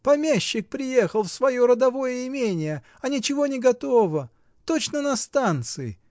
Помещик приехал в свое родовое имение, а ничего не готово: точно на станции!